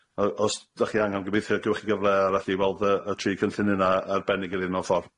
Yy os dach chi angan, gobeithio y gewch chi gyfle arall i weld y y tri cynllun yna ar ben ei gilydd mewn ffor.